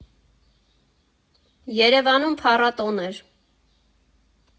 Երևանում փառատո՜ն էր։